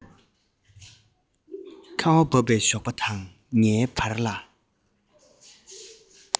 ཁ བ བབས པའི ཞོགས པ དང ངའི བར ལ